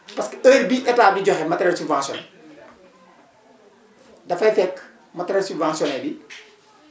parce que heure bi état di joxe matériel subventionné dafay fekk matériel subventionné bi